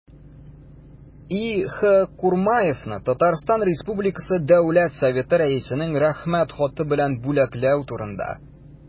И.Х. Курмаевны Татарстан республикасы дәүләт советы рәисенең рәхмәт хаты белән бүләкләү турында